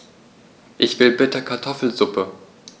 Ich will bitte Kartoffelsuppe.